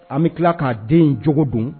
An bɛ tila k'a den jo dun